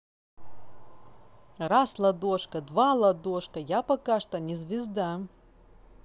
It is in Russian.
раз ладошка два ладошка я пока что не звезда